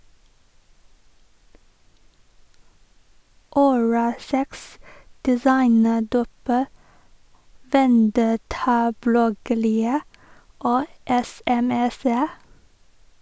Oralsex, designerdop, vendettabloggere og sms-er.